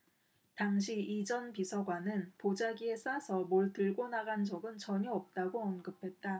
당시 이 전 비서관은 보자기에 싸서 뭘 들고 나간 적은 전혀 없다고 언급했다